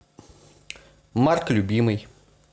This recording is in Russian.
mark любимый